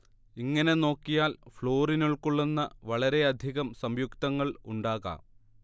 ഇങ്ങനെ നോക്കിയാൽ ഫ്ലൂറിൻ ഉൾക്കൊള്ളുന്ന വളരെയധികം സംയുക്തങ്ങൾ ഉണ്ടാകാം